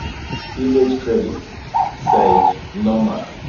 Image credit Syed Noman.